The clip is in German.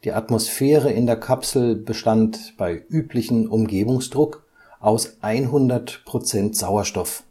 Atmosphäre in der Kapsel bestand (bei üblichem Umgebungsdruck) aus 100 % Sauerstoff